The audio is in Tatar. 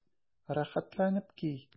Рәхәтләнеп ки!